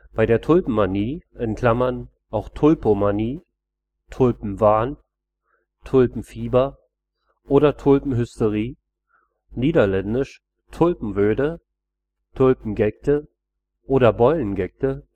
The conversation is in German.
Bei der Tulpenmanie (auch Tulipomanie, Tulpenwahn, Tulpenfieber oder Tulpenhysterie; niederländisch tulpenwoede, tulpengekte oder bollengekte